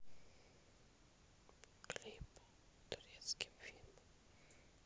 клипы к турецким фильмам